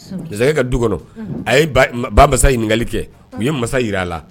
Kosɛbɛ. Masakɛ ka du kɔnɔ, a ye bamasa ɲininkali kɛ, u ye masa jir'a la.